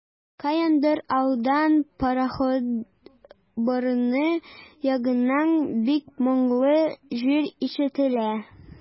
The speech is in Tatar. Каяндыр алдан, пароход борыны ягыннан, бик моңлы җыр ишетелә.